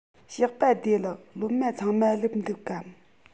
ཞོགས པ བདེ ལེགས སློབ མ ཚང མ སླེབས འདུག གམ